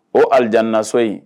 O alijanaso in